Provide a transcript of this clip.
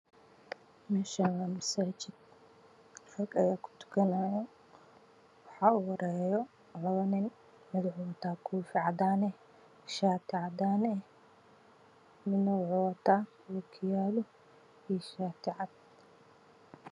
Meeshaan waa masaajidka waxa uhorweyo koofi cadaan ahaatee caadada okiyaalo shaati cadaan